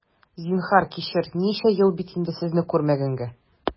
Зинһар, кичер, ничә ел бит инде сезне күрмәгәнгә!